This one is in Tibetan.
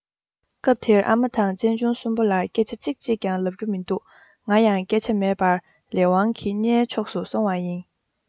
སྐབས དེར ཨ མ དང གཅེན གཅུང གསུམ པོ ལ སྐད ཆ ཚིག གཅིག ཀྱང ལབ རྒྱུ མི འདུག ང ཡང སྐད ཆ མེད པར ལས དབང གི རྙིའི ཕྱོགས སུ སོང བ ཡིན